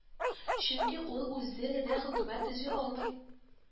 Чөнки ул үзе генә хөкүмәт төзи алмый